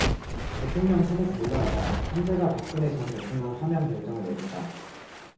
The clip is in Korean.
대통령 탄핵 물러나다 헌재가 박근혜 전 대통령 파면 결정을 내렸다